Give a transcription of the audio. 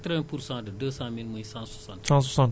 donc bu fekkee ne nag bi dee na